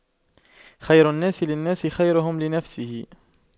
خير الناس للناس خيرهم لنفسه